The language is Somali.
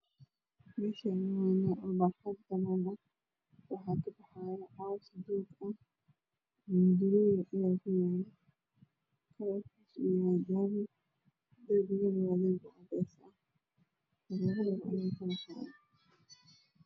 Meeshaani waa meel barxad banaan waxa ka baxaayo coos doog ah ah mudulo yaryar ayaa ku yaalo kalarkisa yahay dahabi darbiga waa darbi cadays ah